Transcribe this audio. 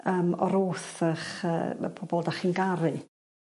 Yym o'r w'th ych yy ma' pobol 'dach chi'n garu.